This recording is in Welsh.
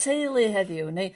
teulu heddiw neu...